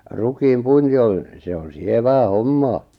rukiin puinti on se on sievää hommaa